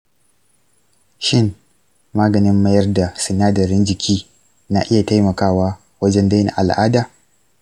shin maganin mayar da sinadaran jiki na iya taimakawa wajen daina al’ada?